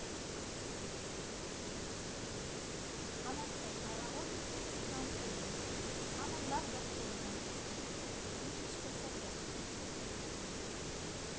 Համեցեք առավոտը սուրճի կամ թեյի, համ էլ լավ գրքեր ունենք էստեղ, մի քիչ կցրվեք։